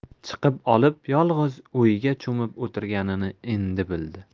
chiqib olib yolg'iz o'yga cho'mib o'tirganini endi bildi